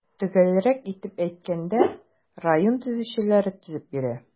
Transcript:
Төгәлрәк итеп әйткәндә, район төзүчеләре төзеп бирә.